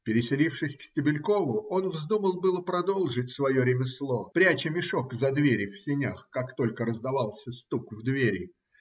переселившись к Стебелькову, он вздумал было продолжать свое ремесло, пряча мешок за двери в сенях, как только раздавался стук в двери.